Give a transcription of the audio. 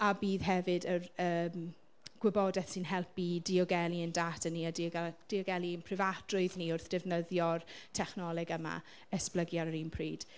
A bydd hefyd yr yym gwybodaeth sy'n helpu diogelu ein data ni a diogelu diogelu ein prifatrwydd ni wrth defnyddio'r technoleg yma esblygu ar yr un pryd.